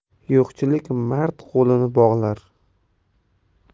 yo'qchilik mard qo'lini bog'lar